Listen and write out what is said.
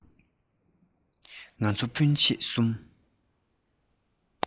ང ཚོ སྤུན མཆེད གསུམ